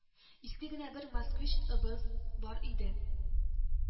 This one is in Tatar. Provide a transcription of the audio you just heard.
Иске генә бер Москвич ыбыз бар иде